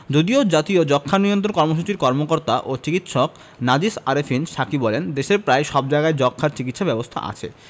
যদিও জাতীয় যক্ষ্মা নিয়ন্ত্রণ কর্মসূচির কর্মকর্তা ও চিকিৎসক নাজিস আরেফিন সাকী বলেন দেশের প্রায় সব জায়গায় যক্ষ্মার চিকিৎসা ব্যবস্থা আছে